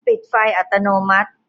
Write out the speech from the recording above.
ปิดไฟอัตโนมัติ